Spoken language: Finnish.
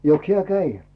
jokos hän kävi